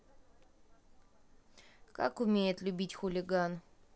как умеет любить хулиган